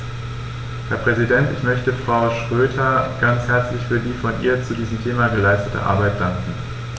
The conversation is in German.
Herr Präsident, ich möchte Frau Schroedter ganz herzlich für die von ihr zu diesem Thema geleistete Arbeit danken.